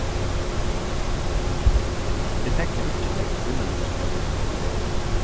eg tekni ikki nógv vinnulívsfólk í dag